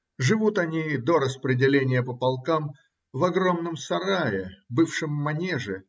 Живут они, до распределения по полкам, в огромном сарае, бывшем манеже